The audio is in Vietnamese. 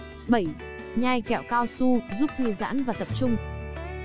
nhai kẹo cao su giúp thư giãn và tập trung